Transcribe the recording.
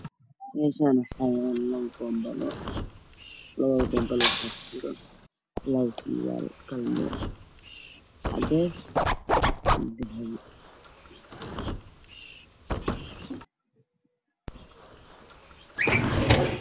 Meshan waxayalo labo bobilo waxan kujira labo sarwal waxan cades io dahbi